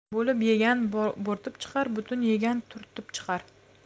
bo'lib yegan bo'rtib chiqar butun yegan turtib chiqar